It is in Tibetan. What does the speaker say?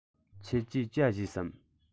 ཁྱེད ཀྱིས ཇ བཞེས སམ